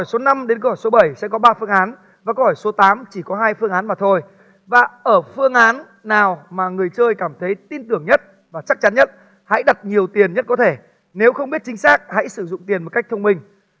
số năm đến câu hỏi số bảy sẽ có ba phương án và câu hỏi số tám chỉ có hai phương án mà thôi và ở phương án nào mà người chơi cảm thấy tin tưởng nhất và chắc chắn nhất hãy đặt nhiều tiền nhất có thể nếu không biết chính xác hãy sử dụng tiền một cách thông minh